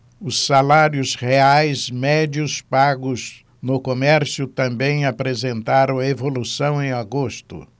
os salários reais médios pagos no comércio também apresentaram evolução em agosto